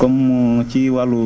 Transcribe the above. comme ci wàllu